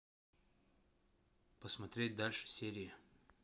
посмотреть дальше серии